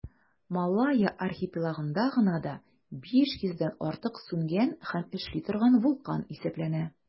Малайя архипелагында гына да 500 дән артык сүнгән һәм эшли торган вулкан исәпләнә.